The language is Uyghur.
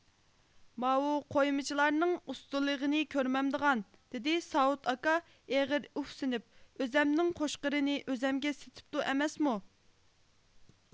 ماۋۇ قويمىچىلارنىڭ ئۇستىلىغىنى كۆرمەمدىغان دېدى ساۋۇت ئاكا ئېغىر ئۇھسىنىپ ئۆزۈمنىڭ قوچقىرىنى ئۆزۈمگە سېتىپتۇ ئەمەسمۇ